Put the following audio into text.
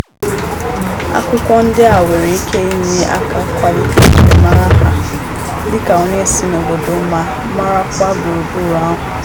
Akụkọ ndị a nwere ike inye aka kwalite njirimara ha dị ka onye si n'obodo ma marakwa gburugburu ahụ.